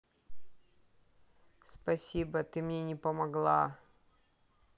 спасибо ты мне не помогла